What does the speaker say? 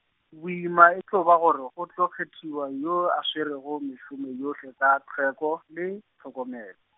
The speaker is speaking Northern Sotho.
boima e tlo ba gore go tlo kgethiwa yoo a swerego mešomo yohle ka tlhweko le, tlhokomel-.